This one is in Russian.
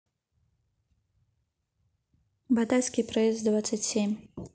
батайский проезд двадцать семь